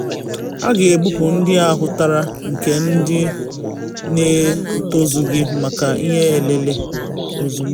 A ga-ebupu ndị ahụtara ka ndị na etozughi maka ihe elele ozugbo.